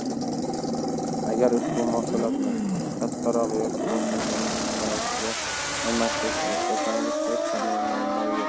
agar ushbu mahsulotni kattarog'i yoki boshqa ko'rinishdagisiga almashtirishni istasangiz hech qanday muammo yo'q